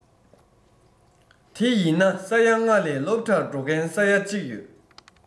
དེ ཡིན ན ས ཡ ལྔ ལས སློབ གྲྭར འགྲོ མཁན ས ཡ གཅིག ཡོད